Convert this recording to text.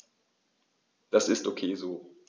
Das ist ok so.